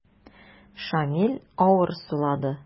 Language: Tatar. Шамил авыр сулады.